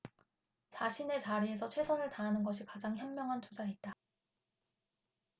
자신의 자리에서 최선을 다하는 것이 가장 현명한 투자이다